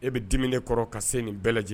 E bɛ di kɔrɔ ka se nin bɛɛ lajɛlen